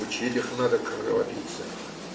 Учить их надо, кровопийцев.